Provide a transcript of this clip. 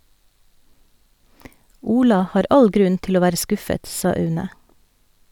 Ola har all grunn til å være skuffet, sa Aune.